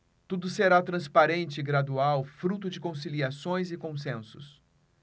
tudo será transparente e gradual fruto de conciliações e consensos